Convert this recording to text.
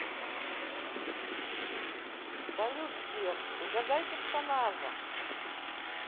салют сбер угадай персонажа